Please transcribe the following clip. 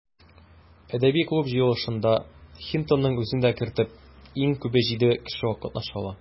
Әдәби клуб җыелышында, Хинтонның үзен дә кертеп, иң күбе җиде кеше катнаша ала.